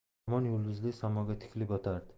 hamon yulduzli samoga tikilib yotardi